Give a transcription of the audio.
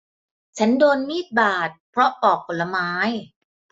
ฉันโดนมีดบาดเพราะปอกผลไม้